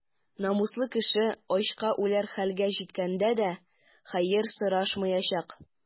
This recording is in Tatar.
Намуслы кеше ачка үләр хәлгә җиткәндә дә хәер сорашмаячак.